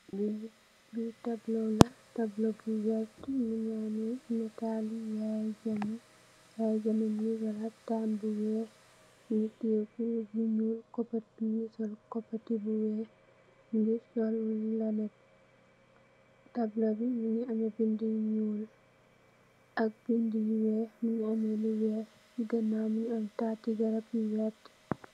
Lee tablo la tablo bu verte muge ameh natale yaya jammeh yaya jammeh muge sol haftan bu weex muge teye kurus bu nuul copate muge sol copate bu weex muge sol lunet tablo be muge ameh beda yu nuul ak bede yu weex muge ameh lu weex se ganaw muge ameh tate garab yu verte.